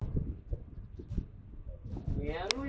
ལྕགས ཐབ ནང དུ མེ བུད མེད པས